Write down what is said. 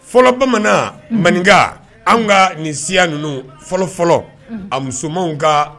Fɔlɔ bamanan manin an ka nin siya ninnu fɔlɔfɔlɔ a musomanw ka